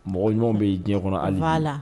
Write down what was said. Mɔgɔ ɲumanw bɛ'i diɲɛ kɔnɔ ali la